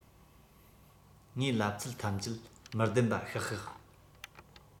ངས ལབ ཚད ཐམས ཅད མི བདེན པ ཤག ཤག